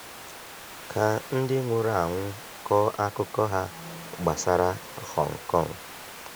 Ka ndị nwụrụ anwụ kọọ akụkọ ha gbasara Hong Kong